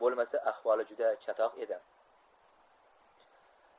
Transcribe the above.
oo'lmasa ahvoli juda chatoq edi